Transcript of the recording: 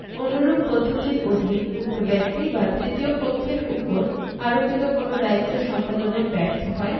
অনুরূপ পদ্ধতির অধীন উক্ত ব্যক্তি বা তৃতীয় পক্ষের উপর আরোপিত কোন দায়িত্ব সম্পাদনে ব্যর্থ হয়